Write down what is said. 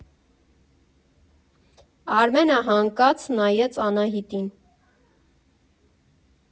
Արմենը հանկած նայեց Անահիտին։